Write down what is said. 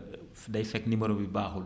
day fekk numéro bi baaxul